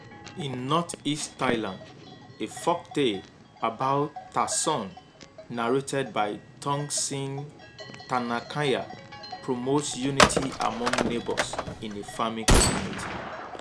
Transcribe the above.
In northeast Thailand, a folktale about Ta Sorn narrated by Tongsin Tanakanya promotes unity among neighbors in a farming community.